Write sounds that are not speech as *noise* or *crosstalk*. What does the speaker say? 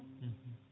*hesitation* *hesitation*